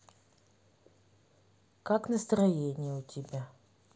как настроение у тебя